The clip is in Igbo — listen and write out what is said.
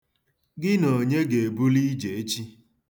Gị na onye ga-ebuli ije echi?